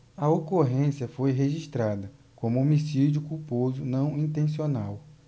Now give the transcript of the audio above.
a ocorrência foi registrada como homicídio culposo não intencional